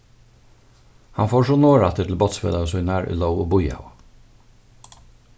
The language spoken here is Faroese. hann fór so norðuraftur til bátsfelagar sínar ið lógu og bíðaðu